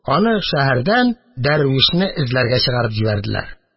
Аны шәһәрдән дәрвишне эзләргә чыгарып җибәрделәр.